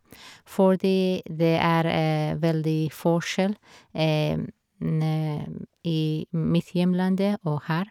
Fordi det er veldig forskjell i mitt hjemlandet og her.